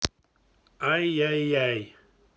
ай яй яй